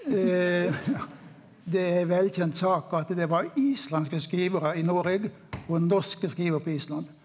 det er velkjent sak at det var islandske skrivarar i Noreg og norske skrivar på Island.